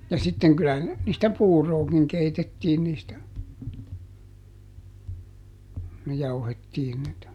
ja sitten kyllähän niistä puuroakin keitettiin niistä kun jauhettiin niitä